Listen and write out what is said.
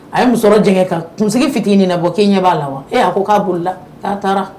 A ye musojɛ kan kunsigi fi ɲini bɔ k'i ɲɛ b'a la wa ee a ko k'a bolila'a taara